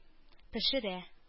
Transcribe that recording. Пешерә